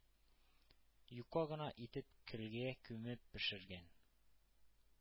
Юка гына итеп көлгә күмеп пешергән